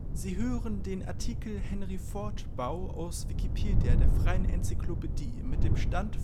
Sie hören den Artikel Henry-Ford-Bau, aus Wikipedia, der freien Enzyklopädie. Mit dem Stand